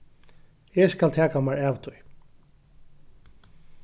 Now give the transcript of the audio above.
eg skal taka mær av tí